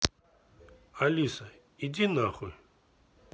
алиса иди нахуй